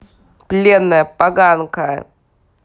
пленная поганка